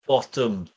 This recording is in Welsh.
Torrodd botwm.